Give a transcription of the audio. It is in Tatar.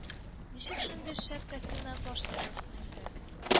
Ничек шундый шәп костюмнан баш тартасың инде